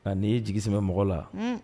A ni yi jigisɛmɛ mɔgɔ la Unhun